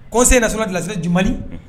Kɔse na sɔrɔlalase j